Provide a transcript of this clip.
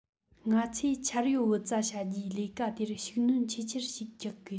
ང ཚོས འཆར ཡོད བུ བཙའ བྱ རྒྱུའི ལས ཀ དེར ཤུགས སྣོན ཆེས ཆེར རྒྱག དགོས